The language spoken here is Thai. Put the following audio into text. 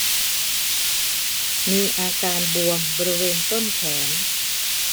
มีอาการบวมบริเวณต้นแขน